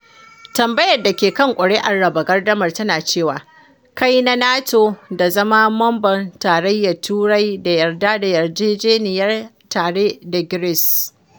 Tambayar da ke kan kuri’ar raba gardamar tana cewa: “Kai na NATO da zama mamban Tarayyar Turai ne da yarda da yarjejeniyar tare da Greece.”